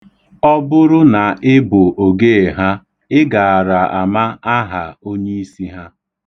Ọ bụrụ na i bụ ogee ha, ị gaara ama aha onyiisi ha.